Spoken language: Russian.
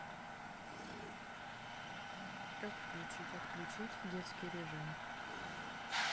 как включить отключить детский режим